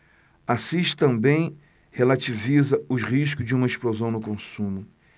assis também relativiza os riscos de uma explosão do consumo